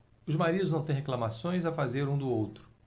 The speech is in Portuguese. os maridos não têm reclamações a fazer um do outro